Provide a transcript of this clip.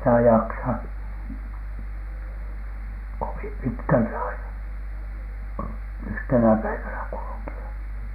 ei sitä jaksa kovin pitkältä aina yhtenä päivänä kulkea